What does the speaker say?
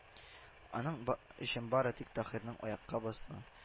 Аның ба өчен бары тик таһирның аякка басуы;